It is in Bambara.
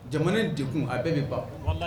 Jamana de kun a bɛɛ bɛ ban